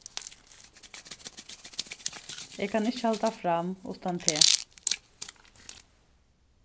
eg kann ikki halda fram uttan teg